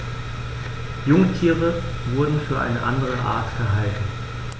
Jungtiere wurden für eine andere Art gehalten.